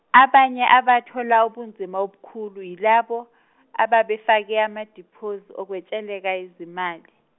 abanye abathola ubunzima obukhulu yilabo, ababefake amadiphozi okwetsheleka izimali.